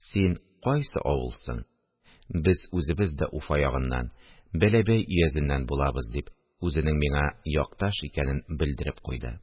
Син кайсы авыл соң? Без үзебез дә Уфа ягыннан, Бәләбәй өязеннән булабыз, – дип, үзенең миңа якташ икәнен белдереп куйды